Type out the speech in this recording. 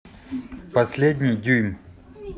последний дюйм